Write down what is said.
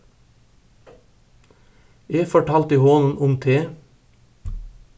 eg fortaldi honum um teg